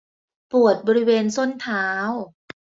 ปวดบริเวณส้นเท้า